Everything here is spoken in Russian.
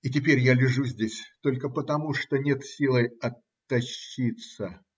И теперь я лежу здесь только потому, что нет силы оттащиться.